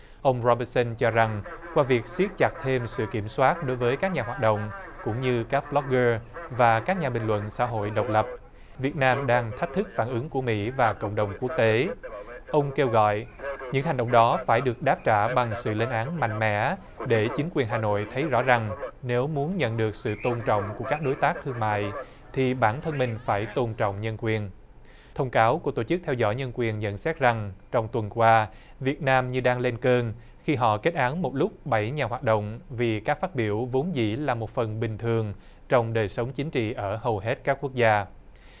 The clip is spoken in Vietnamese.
ông ro bin sân cho rằng qua việc siết chặt thêm sự kiểm soát đối với các nhà hoạt động cũng như các bờ lóc gơ và các nhà bình luận xã hội độc lập việt nam đang thách thức phản ứng của mỹ và cộng đồng quốc tế ông kêu gọi những hành động đó phải được đáp trả bằng sự lên án mạnh mẽ để chính quyền hà nội thấy rõ rằng nếu muốn nhận được sự tôn trọng của các đối tác thương mại thì bản thân mình phải tôn trọng nhân quyền thông cáo của tổ chức theo dõi nhân quyền nhận xét rằng trong tuần qua việt nam như đang lên cơn khi họ kết án một lúc bảy nhà hoạt động vì các phát biểu vốn dĩ là một phần bình thường trong đời sống chính trị ở hầu hết các quốc gia